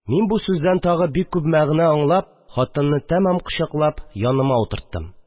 Мин бу сүздән тагы бик күп мәгънә аңлап, хатынны тәмам кочаклап, яныма утырттым